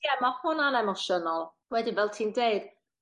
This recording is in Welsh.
Ie ma' hwnna'n emosiynol. Wedyn fel ti'n deu